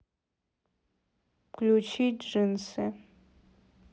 включить джинсы